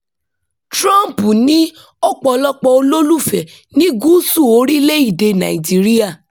Trump ní ọ̀pọ̀lọpọ̀ olólùfẹ́ ní gúúsù orílẹ̀-èdèe Nàìjíríà